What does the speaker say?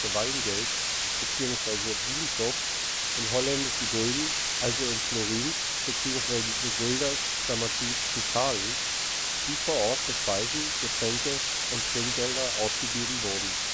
Weingeld “bzw. wijnkoop in holländischen Gulden, also in florins (Dfl) bzw. guilders) zu zahlen, die vor Ort für Speisen, Getränke und Trinkgelder ausgegeben wurden